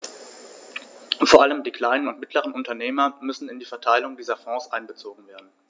Vor allem die kleinen und mittleren Unternehmer müssen in die Verteilung dieser Fonds einbezogen werden.